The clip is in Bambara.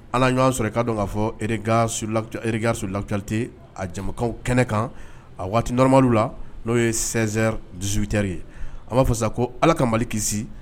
A n'a ɲɔgɔn sɔrɔ i k'a don k'a fɔ, regard sur l'actu regard sur l'actualité a jɛmukanw kɛnɛ kan, a waati normal la, n'o ye 16h -18h ye, an b'a fɔ sa ko Ala ka Mali kisi.